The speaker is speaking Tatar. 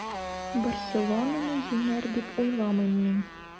“барселона”ны җиңәр, дип уйламыйм мин.